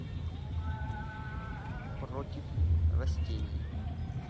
против растений